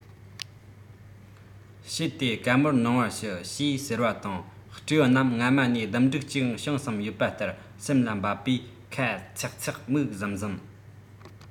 བྱེད དེ བཀའ མོལ གནང བར ཞུ ཞེས ཟེར བ དང སྤྲེའུ རྣམས སྔ མ ནས སྡུམ འགྲིག ཅིག བྱུང བསམ ཡོད པ ལྟར སེམས ལ བབས པས ཁ ཚེག ཚེག མིག ཟུམ ཟུམ